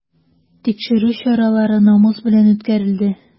Тикшерү чаралары намус белән үткәрелде.